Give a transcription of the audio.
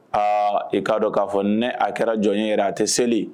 Aa i k'a dɔn k'a fɔ ne a kɛra jɔn yɛrɛ a tɛ seli